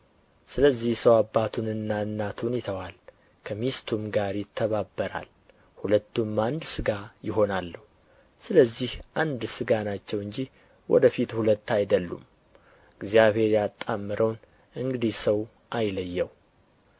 ስለዚህ ሰው አባቱንና እናቱን ይተዋል ከሚስቱም ጋር ይተባበራል ሁለቱም አንድ ሥጋ ይሆናሉ ስለዚህ አንድ ሥጋ ናቸው እንጂ ወደ ፊት ሁለት አይደሉም እግዚአብሔር ያጣመረውን እንግዲህ ሰው አይለየው